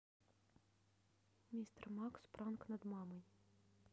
мистер макс пранк над мамой